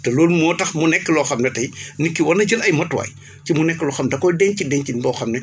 te loolu moo tax mu nekk loo xam ne tey nit ki war na jël ay matuwaay ci mu nekk loo xam da koo denc dencin boo xam ne